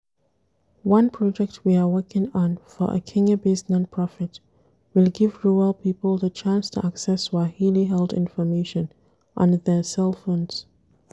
One project we are working on for a Kenya-based non-profit will give rural people the chance to access Swahili health information on their cell phones.